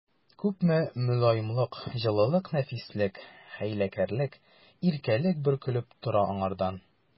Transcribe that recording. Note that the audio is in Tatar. Күпме мөлаемлык, җылылык, нәфислек, хәйләкәрлек, иркәлек бөркелеп тора аңардан!